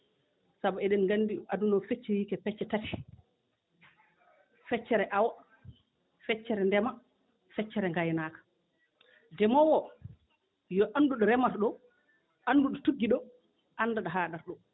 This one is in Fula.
sabu eɗen nganndi aduna feccoyi ko pecce tati feccere awo feccere ndema feccere ngaynaaka ndemoowo oo yo anndu ɗo remata ɗoo annda ɗo tuggi ɗoo annda ɗo haaɗata ɗoo